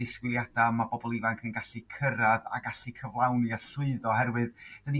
ddisgwyliadau ma' bobol ifanc yn gallu cyrra'dd a gallu cyflawni a llwyddo oherwydd 'da ni